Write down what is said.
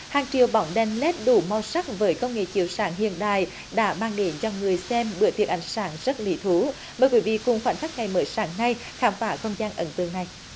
hàng triệu bóng đèn lét đủ màu sắc với công nghệ chiếu sáng hiện đại đã mang đến cho người xem bữa tiệc ánh sáng rất lý thú mời quý vị cùng khoảnh khắc ngày mới sáng nay khám phá không gian ấn tượng này